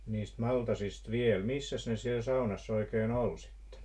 niistä maltasista vielä missäs ne siellä saunassa oikein oli sitten